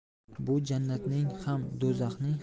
bu jannatning ham do'zaxning